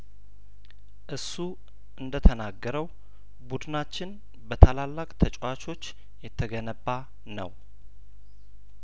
እሱ እንደተናገረው ቡድናችን በታላላቅ ተጨዋቾች የተገነባ ነው